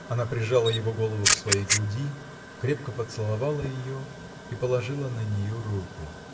Она прижала его голову к своей груди, крепко поцеловала ее и положила на нее руку.